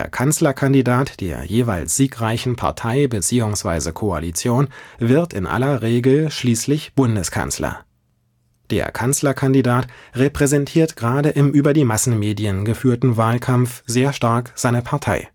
Kanzlerkandidat der jeweils siegreichen Partei bzw. Koalition wird in aller Regel schließlich Bundeskanzler. Der Kanzlerkandidat repräsentiert gerade im über die Massenmedien geführten Wahlkampf sehr stark seine Partei